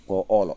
ko o oolo